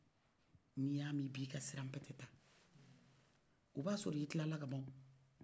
i b'a min i bɛ cɛn de fɔ n'i yami i bɛ i ka sara mpɛtɛ ta o b'a sɔrɔ i kilala ka banw